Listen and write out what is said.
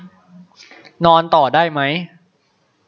นอนต่อได้มั้ย